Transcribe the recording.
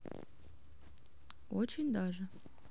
очень даже